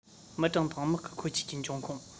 མི གྲངས དང དམག གི མཁོ ཆས ཀྱི འབྱུང ཁུངས